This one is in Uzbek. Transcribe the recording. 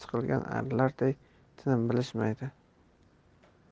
suqilgan arilarday tinim bilishmaydi